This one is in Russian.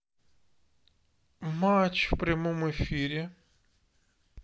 матч в прямом эфире